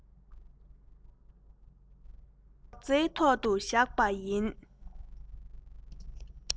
སྒྲོག ཙེའི ཐོག ཏུ བཞག པ ཡིན